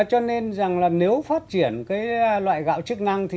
cho nên rằng là nếu phát triển cái loại gạo chức năng thì